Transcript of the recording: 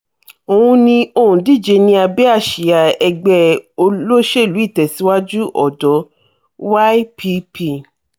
Òun ni òǹdíje ní abẹ́ àsíá Ẹgbẹ́ Olóṣèlú Ìtẹ̀síwájú Ọ̀dọ́ – YPP.